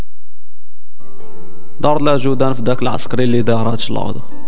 برنامج وزاره الداخليه عسكري الادارات العوده